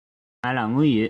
ང ལ དངུལ ཡོད